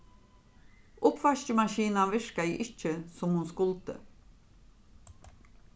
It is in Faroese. uppvaskimaskinan virkaði ikki sum hon skuldi